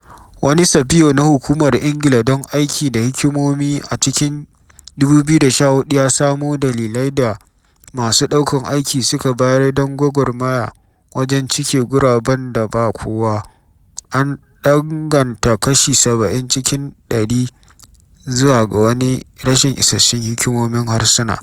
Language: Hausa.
Wani safiyo na Hukumar Ingila don Aiki da Hikimomi a cikin 2014 ya samo dalilai da masu ɗaukan aiki suka bayar don gwagwarmaya wajen cike guraben da ba kowa, an danganta kashi 17 cikin ɗari zuwa ga wani rashin isassun hikimomin harsuna.